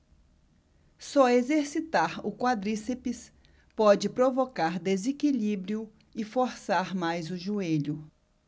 só exercitar o quadríceps pode provocar desequilíbrio e forçar mais o joelho